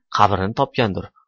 qabrini topgandir